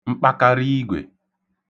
mkpakariigwè